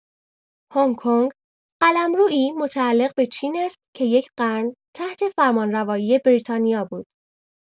هنگ‌کنگ، قلمرویی متعلق به چین است که یک قرن تحت فرمانروایی بریتانیا بود.